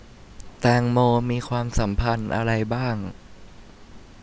แตงโมมีความสัมพันธ์อะไรบ้าง